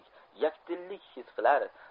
yakdillik his qilar